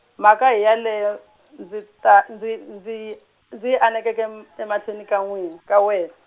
mhaka hi yoleyo, ndzi ta, ndzi, ndzi yi, ndzi anekeke emahlweni ka nwina, ka wena.